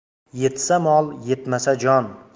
yetsa mol yetmasa jon